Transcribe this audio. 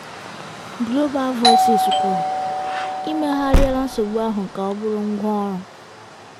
GV: Ị megharịala nsogbu ahụ ka ọ bụrụ ngwá ọrụ.